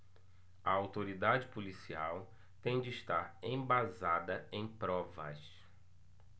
a autoridade policial tem de estar embasada em provas